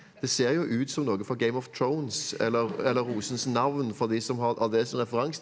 det ser jo ut som noe fra Game of Thrones eller eller Rosens navn for de som har har det som referanse.